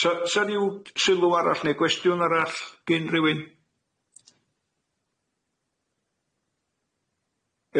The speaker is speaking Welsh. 'Sa ryw sylw arall ne' gwesdiwn arall gin riwin?